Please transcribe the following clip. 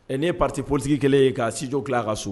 Ɛ'e pate potigi kelen ye ka s sidi tila ka so